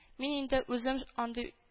Мин инде үзем андый